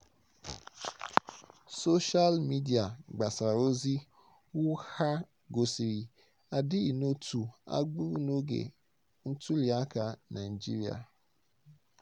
Soshal midịa gbasara ozi ụgha gosiri adịghị n'otu agbụrụ n'oge ntuliaka Naịjirịa.